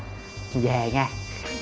em về nha